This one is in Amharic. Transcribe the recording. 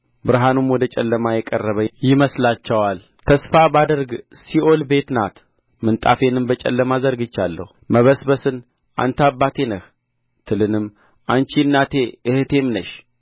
ብርሃኑም ወደ ጨለማ የቀረበ ይመስላቸዋል ተስፋ ባደርግ ሲኦል ቤቴ ናት ምንጣፌንም በጨለማ ዘርግቻለሁ መበስበስን አንተ አባቴ ነህ ትልንም አንቺ እናቴ እኅቴም ነሽ